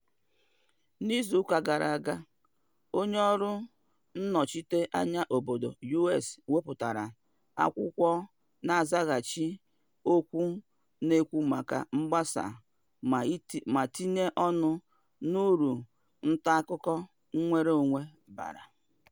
N'izuụka gara aga, onye ọrụ nnọchite anya obodo U.S. wepụtara akwụkwọ na-azaghachi okwu na-ekwu maka mgbasa ma tinye ọnụ n'uru ntaakụkọ nnwere onwe bara.